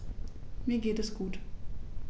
Mir geht es gut.